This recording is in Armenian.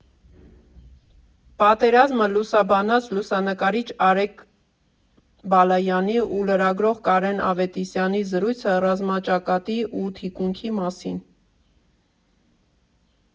Պատերազմը լուսաբանած լուսանկարիչ Արեգ Բալայանի ու լրագրող Կարեն Ավետիսյանի զրույցը՝ ռազմաճակատի ու թիկունքի մասին։